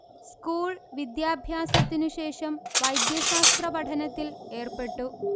school വിദ്യാഭ്യാസത്തിനുശേഷം വൈദ്യശാസ്ത്ര പഠനത്തിൽ ഏർപ്പെട്ടു